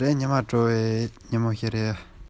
སྟོན ལས བྱེད ཀྱིན གདའ